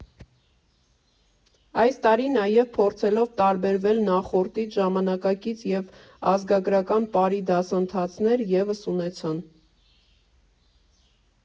Այս տարի նաև, փորձելով տարբերվել նախորդից, ժամանակակից և ազգագրական պարի դասընթացներ ևս ունեցան։